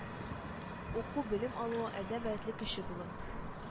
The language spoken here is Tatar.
Уку, белем алу, адәм рәтле кеше булу.